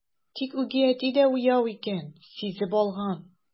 Тик үги әти дә уяу икән, сизеп алган.